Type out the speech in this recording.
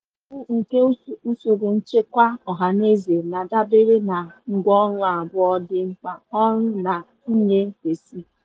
Ụkpụrụ mbụ nke usoro nchekwa ọhanaeze na-adabere na ngwaọrụ abụọ dị mkpa: ọrụ na nnyefesi.